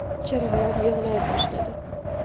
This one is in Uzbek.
chirillab yig'lay boshladi